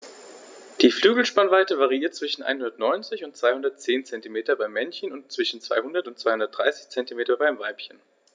Die Flügelspannweite variiert zwischen 190 und 210 cm beim Männchen und zwischen 200 und 230 cm beim Weibchen.